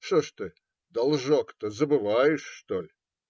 Что ж ты должок-то, забываешь, что ль?